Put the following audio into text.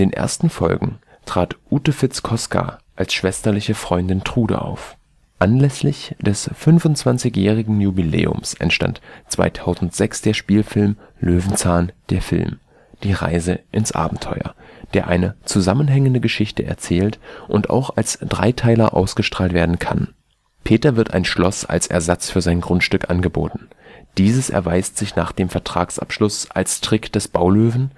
ersten Folgen trat Ute Fitz-Koska als schwesterliche Freundin Trude auf. Anlässlich des 25-jährigen Jubiläums entstand 2006 der Spielfilm Löwenzahn – Der Film: Die Reise ins Abenteuer, der eine zusammenhängende Geschichte erzählt und auch als Dreiteiler ausgestrahlt werden kann. Peter wird ein Schloss als Ersatz für sein Grundstück angeboten. Dieses erweist sich nach dem Vertragsabschluss als Trick des Baulöwen